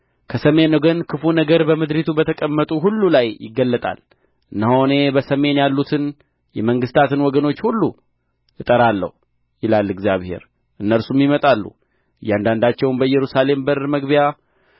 ከሰሜን ወገን ክፉ ነገር በምድሪቱ በተቀመጡ ሁሉ ላይ ይገለጣል እነሆ እኔ በሰሜን ያሉትን የመንግሥታትን ወገኖች ሁሉ እጠራለሁ ይላል እግዚአብሔር እነርሱም ይመጣሉ እያንዳንዳቸውም በኢየሩሳሌም በር መግቢያ